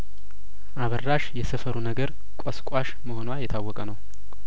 አበራሽ የሰፈሩ ነገር ቆስቋሽ መሆኗ የታወቀ ነው